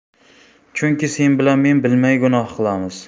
chunki sen bilan men bilmay gunoh qilamiz